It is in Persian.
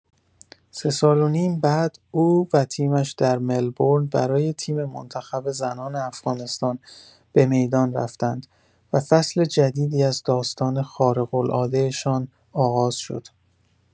سه سال و نیم بعد، او و تیمش در ملبورن برای تیم منتخب زنان افغانستان به میدان رفتند و فصل جدیدی از داستان خارق‌العاده‌شان آغاز شد.